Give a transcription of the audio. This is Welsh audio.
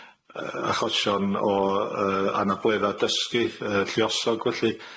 yy achosion o yy anabledda' dysgu yy lluosog felly.